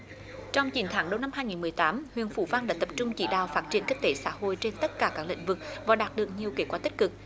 trong chín tháng đầu năm hai nghìn mười tám huyện phú vang đã tập trung chỉ đạo phát triển kinh tế xã hội trên tất cả các lĩnh vực và đạt được nhiều kết quả tích cực